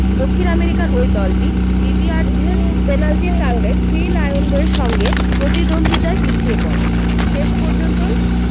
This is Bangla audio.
দক্ষিণ আমেরিকার ওই দলটি দ্বিতীয়ার্ধের পেনাল্টির কারণে থ্রি লায়নদের সঙ্গে প্রতিদ্বন্দ্বিতায় পিছিয়ে পড়ে শেষ পর্যন্ত